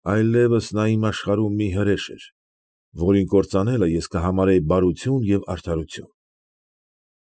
Այլևս նա իմ աչքում մի հրեշ էր, որին կործանելը ես կհամարեի բարություն և արդարություն։